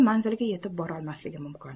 manziliga yetib borolmasligi mumkin